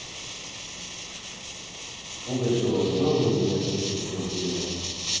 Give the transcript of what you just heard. пугачева было у меня три счастливых дня